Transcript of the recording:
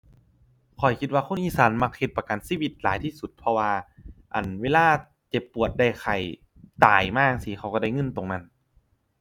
ข้อยคิดว่าคนอีสานมักเฮ็ดประกันชีวิตหลายที่สุด เพราะว่า อั่น เวลาเจ็บปวดได้ไข้ ตายมาจั่งซี้เขาก็ได้เงินตรงนั้น